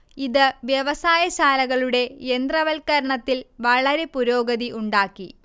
ഇത് വ്യവസായശാലകളുടെ യന്ത്രവൽക്കരണത്തിൽ വളരെ പുരോഗതി ഉണ്ടാക്കി